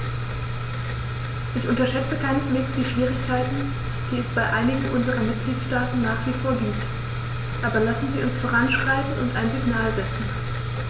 Ich unterschätze keineswegs die Schwierigkeiten, die es bei einigen unserer Mitgliedstaaten nach wie vor gibt, aber lassen Sie uns voranschreiten und ein Signal setzen.